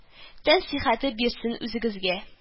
Тән сихәте бирсен үзегезгә